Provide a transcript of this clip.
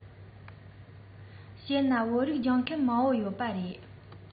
བྱས ན བོད ཡིག སྦྱོང མཁན མང པོ ཡོད པ རེད